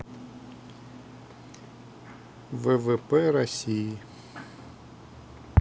ввп россии